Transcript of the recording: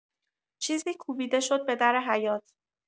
چیزی کوبیده شد به در حیاط